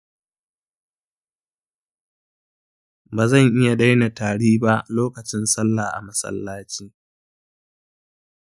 bazan iya daina tari ba lokacin sallah a masallaci.